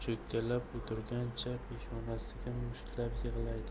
cho'kkalab o'tirgancha peshonasiga mushtlab yig'laydi